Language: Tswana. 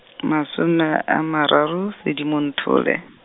masome a mararo, Sedimonthole.